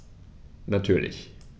Natürlich.